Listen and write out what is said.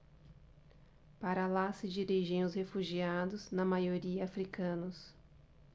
para lá se dirigem os refugiados na maioria hútus